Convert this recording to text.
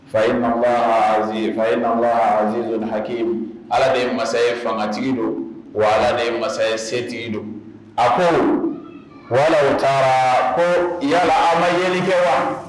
Fa fai ha ala de masa fangatigi don wala de masa setigi don a ko wala taara ko yala a ma ɲɛli kɛ wa